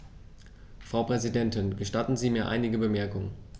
Frau Präsidentin, gestatten Sie mir einige Bemerkungen.